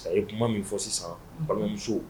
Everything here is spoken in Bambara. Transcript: A ye kuma min fɔ sisan balimamuso